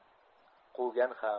quvgan ham